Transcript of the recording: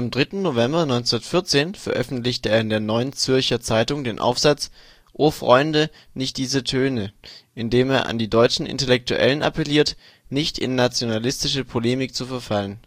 3. November 1914 veröffentlichte er in der " Neuen Zürcher Zeitung " den Aufsatz " O Freunde, nicht diese Töne ", in dem er an die deutschen Intellektuellen appelliert, nicht in nationalistische Polemik zu verfallen